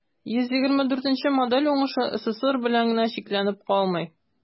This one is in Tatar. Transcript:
124 нче модель уңышы ссср белән генә чикләнеп калмый.